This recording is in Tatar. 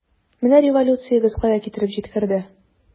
Менә революциягез кая китереп җиткерде!